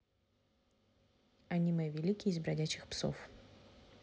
аниме великий из бродячих псов